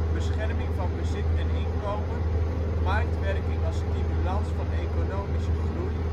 bescherming van bezit en inkomen, marktwerking als stimulans van economische groei